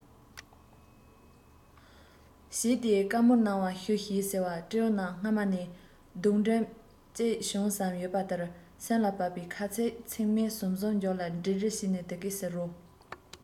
ཤིང བཟང པོ ལ ལོ འདབ རྒྱས པ དེ རི ཀླུང ལུང པའི རྒྱན དུ ཆེ དེ ངན པ མ རེད བཟང བ རེད དེ ཡིན ཀྱང གྱོད ཀྱི རྩ བ དེ དང པོ སུ ཡིས ལན ཟེར ན